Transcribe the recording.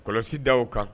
Kɔlɔsi da' aw kan